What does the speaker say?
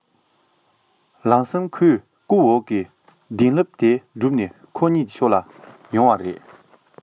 ལམ སེང ཁོའི རྐུབ འོག གི གདན ལྷེབ དེ སྒྲུག ནས ཁོ གཉིས ཕྱོགས ལ ཞུས ཡོང བ རེད